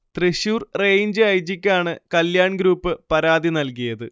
Thrissur range I. ജിക്കാണ് Kalyan group പരാതി നൽകിയത്